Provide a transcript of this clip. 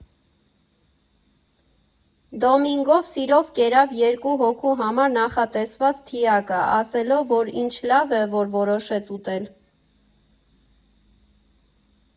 Դոմինգոն սիրով կերավ երկու հոգու համար նախատեսված թիակը՝ ասելով, որ ինչ լավ է, որ որոշեց ուտել։